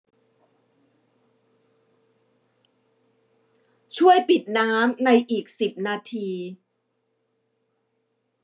ช่วยปิดน้ำในอีกสิบนาที